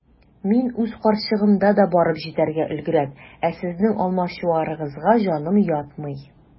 Мин үз карчыгымда да барып җитәргә өлгерәм, ә сезнең алмачуарыгызга җаным ятмый.